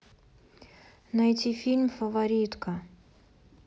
найти фильм фаворитка